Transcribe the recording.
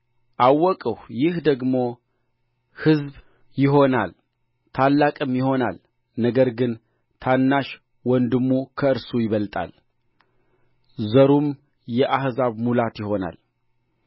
አወቅሁ ይህም ደግሞ ሕዝብ ይሆናል ታላቅም ይሆናል ነገር ግን ታናሽ ወንድሙ ከእርሱ ይበልጣል ዘሩም የአሕዛብ ሙላት ይሆናል